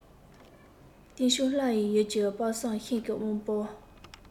སྟེང ཕྱོགས ལྷ ཡི ཡུལ གྱི དཔག བསམ ཤིང གི དབང པོ